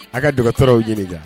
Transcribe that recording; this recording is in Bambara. A ka dɔgɔtɔrɔw ɲininka